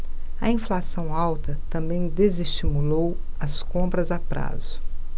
a inflação alta também desestimulou as compras a prazo